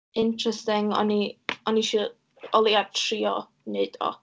Interesting o'n i o'n i isio o leiaf trio wneud o.